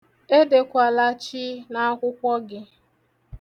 Edekwala 'ch' n'akwụkwọ gị.